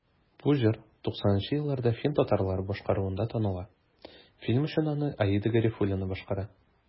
Бу җыр 90 нчы елларда фин татарлары башкаруында таныла, фильм өчен аны Аида Гарифуллина башкара.